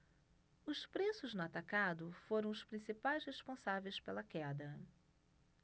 os preços no atacado foram os principais responsáveis pela queda